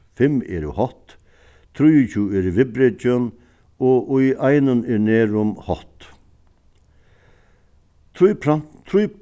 fimm eru hótt trýogtjúgu eru viðbrekin og í einum er nærum hótt trý trý